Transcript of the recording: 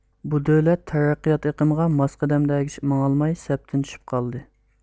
بۇ دۆلەت تەرەققىيات ئېقىمىغا ماس قەدەمدە ئەگىشىپ ماڭالماي سەپتىن چۈشۈپ قالدى